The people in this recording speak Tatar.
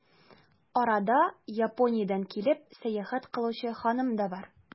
Арада, Япониядән килеп, сәяхәт кылучы ханым да бар.